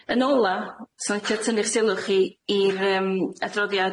Yn ola, swn i'n licio tynnu'ch sylw chi i'r yym adroddiad,